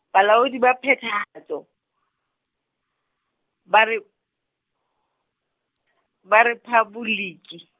Bolaodi ba Phethahatso, ba Re- , ba Rephaboliki.